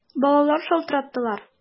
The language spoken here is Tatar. Балалар шалтыраттылар!